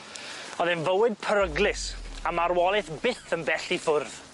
O'dd e'n fywyd peryglus a marwoleth byth yn bell i ffwrdd.